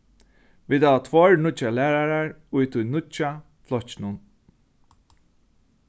vit hava tveir nýggjar lærarar í tí nýggja flokkinum